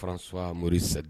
François Moris